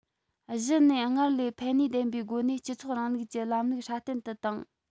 གཞི ནས སྔར ལས ཕན ནུས ལྡན པའི སྒོ ནས སྤྱི ཚོགས རིང ལུགས ཀྱི ལམ ལུགས སྲ བརྟན དུ བཏང